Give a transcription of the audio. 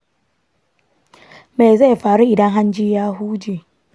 me zai faru idan hanji ya huje?